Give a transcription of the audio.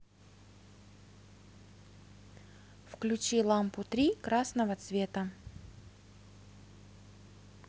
включи лампу три красного цвета